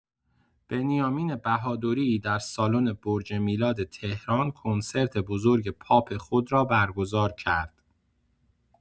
بنیامین بهادری در سالن برج میلاد تهران کنسرت بزرگ پاپ خود را برگزار کرد.